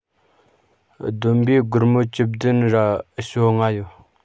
བསྡོམས པས སྒོར མོ བཅུ བདུན ར ཞོ ལྔ ཡིན